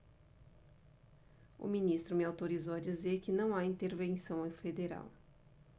o ministro me autorizou a dizer que não há intervenção federal